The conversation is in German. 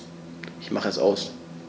Ich mache es aus.